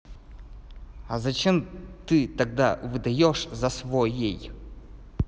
а зачем ты тогда выдаешь за своей